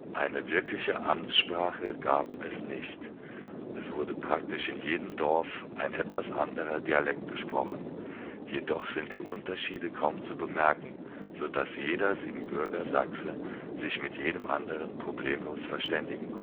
Eine wirkliche Amtssprache gab es nicht, es wurde praktisch in jedem Dorf ein etwas anderer Dialekt gesprochen, jedoch sind die Unterschiede kaum zu bemerken, sodass jeder Siebenbürger-Sachse sich mit dem anderen problemos verständigen